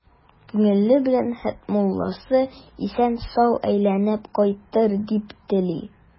Күңеле белән Хәтмулласы исән-сау әйләнеп кайтыр дип тели.